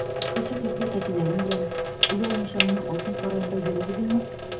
Шушы кәкре тәпиләрең белән оялмыйча минем алтын сараемда йөрер идеңме?